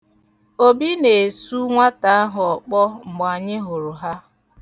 Obi na-esu nwata ahụ ọkpọ mgbe m hụrụ ha.